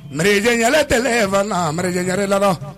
Rejɛ tɛ lala